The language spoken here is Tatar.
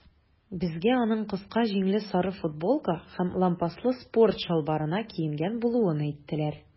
Безгә аның кыска җиңле сары футболка һәм лампаслы спорт чалбарына киенгән булуын әйттеләр.